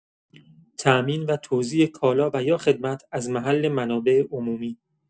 تامین و توزیع کالا و یا خدمت از محل منابع عمومی